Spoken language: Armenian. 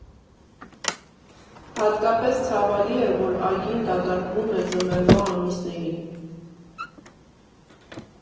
Հատկապես ցավալի է, որ այգին դատարկվում է ձմեռվա ամիսներին։